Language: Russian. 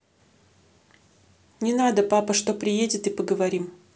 не надо папа что приедет и поговорим